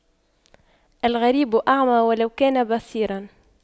الغريب أعمى ولو كان بصيراً